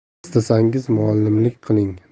istasangiz muallimlik qiling